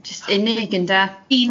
jyst unig, ynde?